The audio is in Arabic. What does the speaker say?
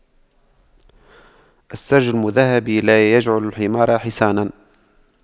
السَّرْج المُذهَّب لا يجعلُ الحمار حصاناً